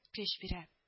Көч бирә